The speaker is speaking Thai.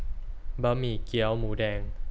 บะหมี่เกี๊ยวหมูแดง